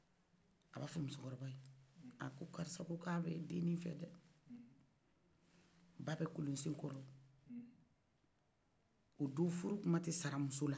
o b'a fo musokɔrɔ baye a k'a karisa ko ka b'i den fɛ dɛ ba bɛ kolo sen kɔrɔ o do furu kuman tɛ sara muso la